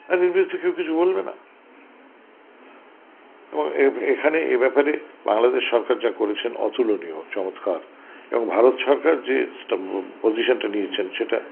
আর এর বিরুদ্ধে কেউ কিছু বলবে না এখানে এ ব্যাপারে বাংলাদেশ সরকার যা করেছেন অতুলনীয় চমৎকার এবং ভারত সরকার যে পজিশন টা নিয়েছেন সেটা